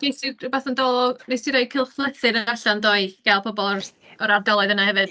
Ges 'di rywbeth yn dol... wnes di roi cylchlythyr allan yndo i gael pobl o'r o'r ardalau yna hefyd.